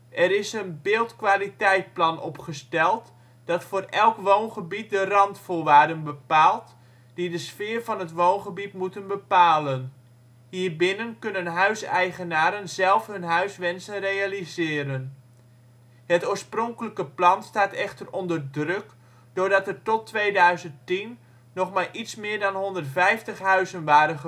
Er is een ' beeldkwaliteitplan ' opgesteld, dat voor elk woongebied de randvoorwaarden bepaalt, die de sfeer van het woongebied moeten bepalen. Hierbinnen kunnen huiseigenaren zelf hun huiswensen realiseren. Het oorspronkelijke plan staat echter onder druk doordat er tot 2010 nog maar iets meer dan 150 huizen waren gebouwd